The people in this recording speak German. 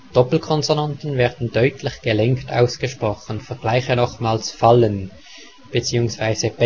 Doppelkonsonanten werden deutlich gelängt ausgesprochen, vergleiche nochmals [' fål:ɘn] beziehungsweise